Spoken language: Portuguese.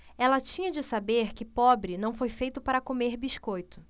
ela tinha de saber que pobre não foi feito para comer biscoito